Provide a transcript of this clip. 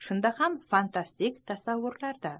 shunda ham fantastik tasavvurlarda